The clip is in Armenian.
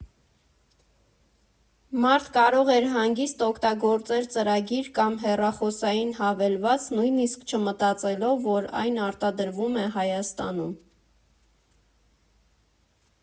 Մարդ կարող էր հանգիստ օգտագործել ծրագիր կամ հեռախոսային հավելված՝ նույնիսկ չմտածելով, որ այն արտադրվում է Հայաստանում։